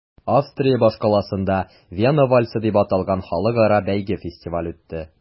Австрия башкаласында “Вена вальсы” дип аталган халыкара бәйге-фестиваль үтте.